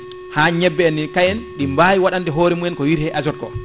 ha ñebbe en kayen ɗi baawi waɗande hoore mumen ko wite azote ko